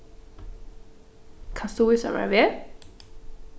kanst tú vísa mær veg